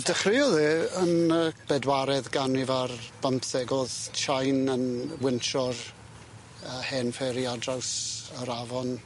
dechreuodd e yn yy bedwaredd ganrif ar bymtheg o'dd tsiain yn winsho'r yy hen fferi ar draws yr afon.